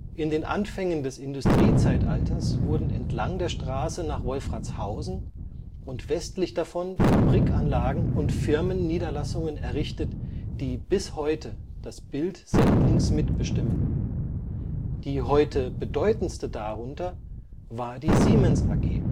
In den Anfängen des Industriezeitalters wurden entlang der Straße nach Wolfratshausen und westlich davon Fabrikanlagen und Firmenniederlassungen errichtet, die bis heute das Bild Sendlings mitbestimmen, die heute bedeutendste darunter war die Siemens AG